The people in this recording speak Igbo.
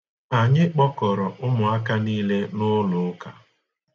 Anyị kpọkọrọ ụmụaka niile n'ụlọụka.